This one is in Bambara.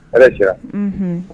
Hɛrɛ siran